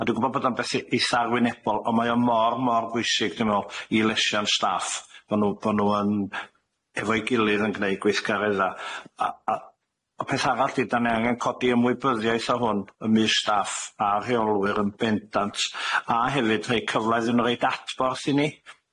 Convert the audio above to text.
A dwi gwbo bod o'n beth eitha arwynebol on' mae o mor mor bwysig dwi me'wl i lesiant staff bo' nw bo' nw yn efo'i gilydd yn gneud gweithgaredda' a a a peth arall 'di 'da ni angen codi ymwybyddiaeth o hwn ymysg staff a rheolwyr yn bendant, a hefyd rhoi cyflaidd yn roid atborth i ni.